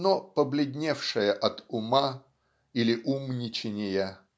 но побледневшая от ума (или умничанья).